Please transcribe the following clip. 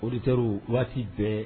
Auditeur waati bɛɛ